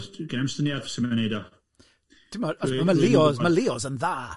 Sgen i'm syniad sut mae'n wneud o. Ti'mod, os ma', Leo's, ma' Leo's yn dda.